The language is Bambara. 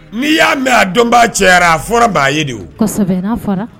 N'i y'a mɛn a dɔnba cɛyara a fɔra'a ye de